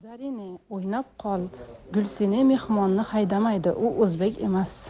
zerine o'ynay qol gulsine mehmonni haydamaydi u o'zbek emas